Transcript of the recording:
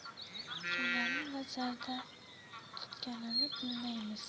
kimlarni nazarda tutganini bilmaymiz